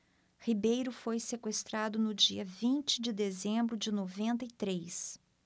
ribeiro foi sequestrado no dia vinte de dezembro de noventa e três